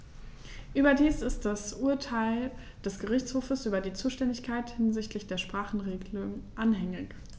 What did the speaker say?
Überdies ist das Urteil des Gerichtshofes über die Zuständigkeit hinsichtlich der Sprachenregelung anhängig.